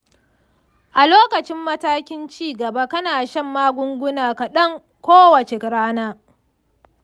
a lokacin matakin ci gaba kana shan magunguna kaɗan kowace rana.